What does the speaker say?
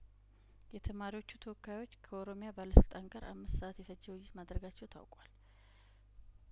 የተማሪዎቹ ተወካዮች ከኦሮሚያ ባለስልጣናት ጋር አምስት ሰአት የፈጀ ውይይት ማድረጋቸው ታውቋል